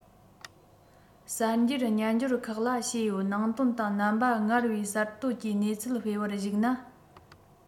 གསར འགྱུར སྨྱན སྦྱོར ཁག ལ བྱས ཡོད ནང དོན དང རྣམ པ སྔར བས གསར གཏོད ཀྱིས གནས ཚུལ སྤེལ བར གཞིགས ན